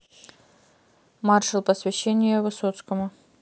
маршал посвящение высоцкому